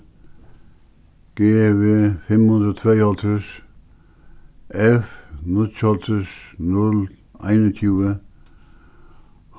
g v fimm hundrað og tveyoghálvtrýss f níggjuoghálvtrýss null einogtjúgu